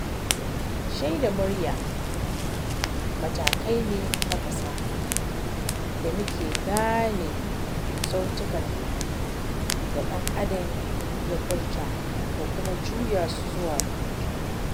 Shaida murya matakai ne na fasaha da suke gane sautukan da ɗan-adam ya furta da kuma juya su zuwa rubutu.